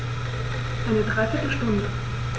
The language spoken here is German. Eine dreiviertel Stunde